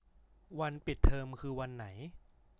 วันปิดเทอมคือวันไหน